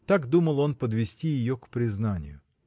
Так думал он подвести ее к признанию.